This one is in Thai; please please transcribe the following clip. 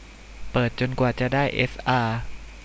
เปิดจนกว่าจะได้เอสอา